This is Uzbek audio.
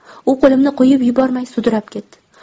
u qo'limni qo'yib yubormay sudrab ketdi